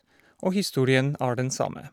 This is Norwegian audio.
Og historien er den samme.